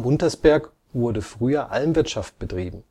Untersberg wurde früher Almwirtschaft betrieben.